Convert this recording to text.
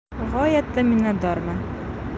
g'oyatda minatdorman